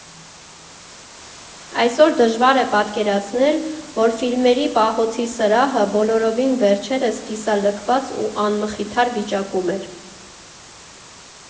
Այսօր դժվար է պատկերացնել, որ ֆիլմերի պահոցի սրահը բոլորովին վերջերս կիսալքված ու անմխիթար վիճակում էր։